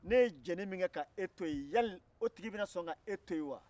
ne ye diɲɛni min kɛ k'e to yen yali o tigi bɛna sɔn k'e to yen wa